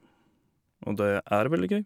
Og det er veldig gøy.